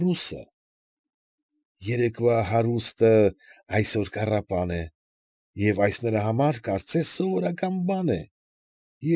Ռուսը։ Երեկվա հարուստը այսօր կառապան է, և այս նրա համար կարծես սովորական բան է։